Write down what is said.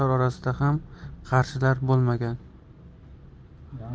orasida ham qarshilar bo'lmagan